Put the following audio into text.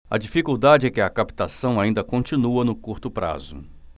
a dificuldade é que a captação ainda continua no curto prazo